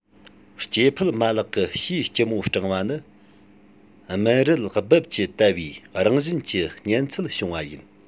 སྐྱེ འཕེལ མ ལག གི ཕྱིའི སྐྱི མོ སྐྲངས པ ནི རྨེན རུལ སྦུབས ཀྱི དལ བའི རང བཞིན གྱི གཉན ཚད བྱུང བ ཡིན